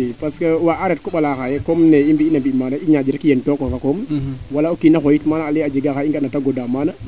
i parce que waa'a ret koɓala xaye comme ne i mbina mbi nan rek i ñaaƴ rek yen tokof a koom wala o kiina xoyit mana a leyee a jega oxa i nga'na te goda maana